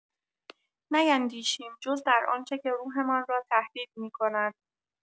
نیندیشیم جز در آنچه که روحمان را تهدید می‌کند.